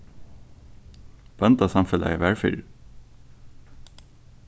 bóndasamfelagið var fyrr